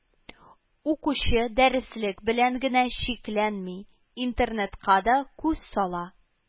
Укучы дәреслек белән генә чикләнми, интернетка да күз сала